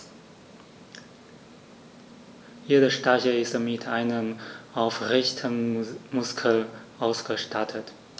Jeder Stachel ist mit einem Aufrichtemuskel ausgestattet.